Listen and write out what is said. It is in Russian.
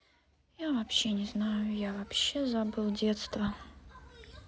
я вообще не знаю я вообще забыл детство